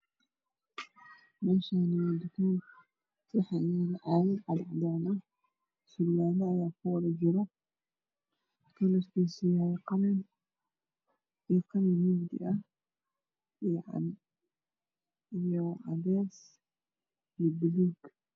Meeshaan waa tukaan waxaa yaalo caagado cad cadaan ah surwaalo ayaa kuwada jiro kalarkiisu uu yahay qalin, buluug iyo cadaan.